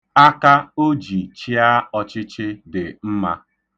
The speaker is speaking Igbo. Aka o ji chịa ọchịchị dị mma.